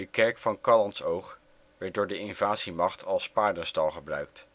kerk van Callantsoog werd door de invasiemacht als paardenstal gebruikt